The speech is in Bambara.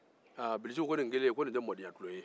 aa bilisi ko nin kelenn nin tɛ mɔdenya tulon ye